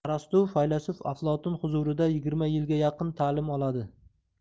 arastu faylasuf aflotun huzurida yigirma yilga yaqin ta'lim oladi